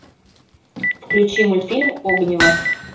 включи мультфильм огниво